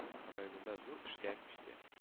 Районында зур эшкә күчте